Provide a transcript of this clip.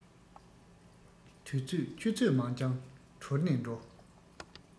དུས ཚོད ཆུ ཚོད མ འགྱངས གྲོལ ནས འགྲོ